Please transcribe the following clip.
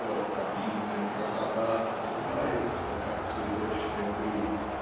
что "капризная красота осыпается как цветочная пыль"